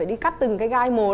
đi cắt từng cái gai một